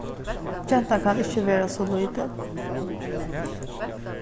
gentan kann ikki vera so lítil